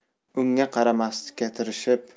unga qaramaslikka tirishib